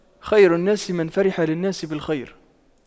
خير الناس من فرح للناس بالخير